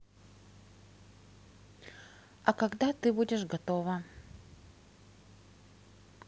а когда ты будешь готова